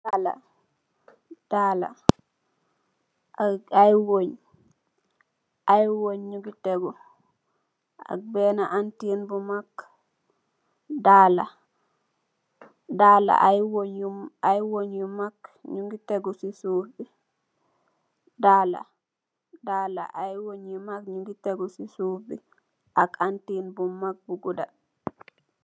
Dalla ak ay weñ yu mak ñu ngi tégu ci suuf bi ak antin bu mak bu gudda.